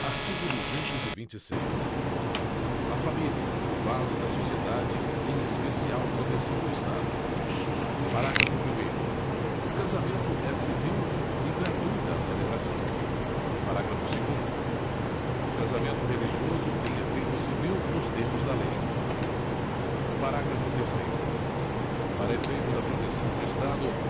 artigo duzentos e vinte e seis a família base da sociedade tem especial proteção do estado parágrafo primeiro o casamento é civil e gratuita a celebração parágrafo segundo o casamento religioso tem efeito civil nos termos da lei parágrafo terceiro para efeito da proteção do estado